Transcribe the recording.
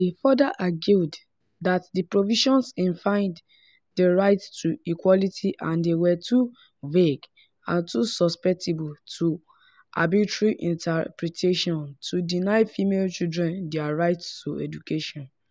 They further argued that the provisions infringed the right to equality and they were too vague and too susceptible to arbitrary interpretation to deny female children their right to education.